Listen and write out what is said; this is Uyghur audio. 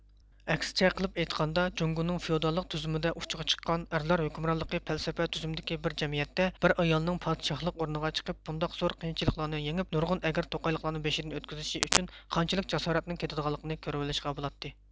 ئەكسىچە قىلىپ ئېيتقاندا جۇڭگۇنىڭ فىئوداللىق تۈزۈمىدە ئۇچچىغا چىققان ئەرلەر ھۆكۈمرانلىقى پەلسەپە تۈزۈمدىكى بىر قەمىيەتتە بىر ئايالنىڭ پادىشالىق ئورنىغا چىقىپ بۇنداق زور قىينچىلىقلارنى يېڭىپ نۇرغۇن ئەگىر توقايلىقلارنى بېشىدىن ئۆتكۈزۈشى ئۈچۈن قانچىلىك جاسارەتنىڭ كېتىدىغانلىقىنى كۆرۈۋېلىشقا بولاتتى